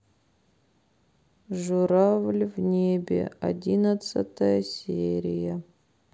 журавль в небе одиннадцатая серия